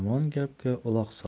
yomon gapga uloq sol